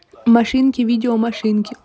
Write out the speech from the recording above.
машинки видео машинки